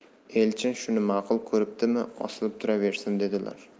elchin shuni ma'qul ko'ribdimi osilib turaversin dedilar